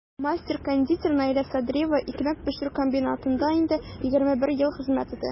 Мастер-кондитер Наилә Садриева икмәк пешерү комбинатында инде 21 ел хезмәт итә.